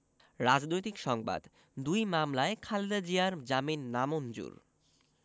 রাজনৈতিক সংবাদ দুই মামলায় খালেদা জিয়ার জামিন নামঞ্জুর